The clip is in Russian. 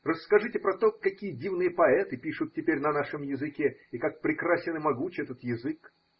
Расскажите про то, какие дивные поэты пишут теперь на нашем языке, и как прекрасен и могуч этот язык.